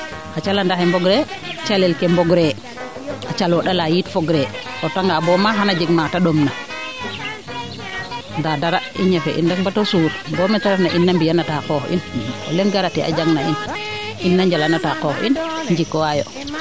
xa calanaxe mbog ree calel ke mbong calel ke mbon ree a caloondola yit fog ree o reta ngaa bo maana xana jeg maate ɗom na ndaa dara i ñafe in rek bata suur bo meete refna ina mbiya nata ina qoox in o leŋ garate a jang na in ina njalana taa qoox in njikwaa yo